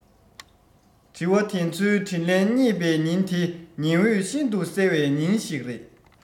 དྲི བ དེ ཚོའི དྲིས ལན རྙེད པའི ཉིན དེ ཉི འོད ཤིན ཏུ གསལ བའི ཉིན ཞིག རེད